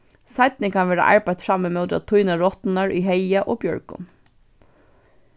seinni kann verða arbeitt fram ímóti at týna rotturnar í haga og bjørgum